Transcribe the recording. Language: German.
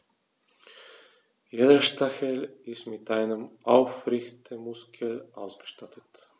Jeder Stachel ist mit einem Aufrichtemuskel ausgestattet.